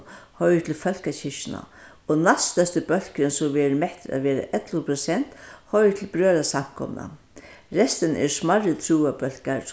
hoyrir til fólkakirkjuna og næststørsti bólkurin sum verður mettur at vera ellivu prosent hoyrir til brøðrasamkomuna restin eru smærri trúarbólkar